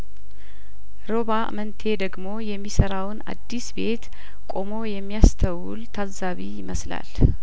ሮባ አመንቴ ደግሞ የሚሰራውን አዲስ ቤት ቆሞ የሚያስተውል ታዛቢ ይመስላል